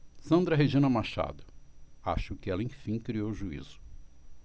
sandra regina machado acho que ela enfim criou juízo